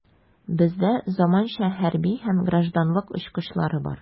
Бездә заманча хәрби һәм гражданлык очкычлары бар.